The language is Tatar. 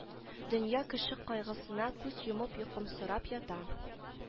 Дөнья кеше кайгысына күз йомып йокымсырап ята